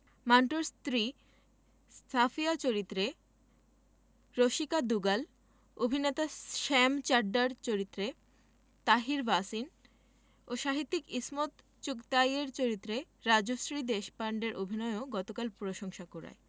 মান্টোর স্ত্রী সাফিয়া চরিত্রে রসিকা দুগাল অভিনেতা শ্যাম চাড্ডার চরিত্রে তাহির ভাসিন ও সাহিত্যিক ইসমত চুগতাইয়ের চরিত্রে রাজশ্রী দেশপান্ডের অভিনয়ও গতকাল প্রশংসা কুড়ায়